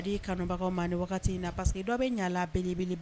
Kanubagaw ma in paseke dɔw bɛ ɲaga b